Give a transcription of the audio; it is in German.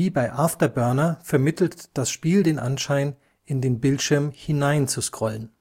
bei After Burner vermittelt das Spiel den Anschein, in den Bildschirm hinein zu scrollen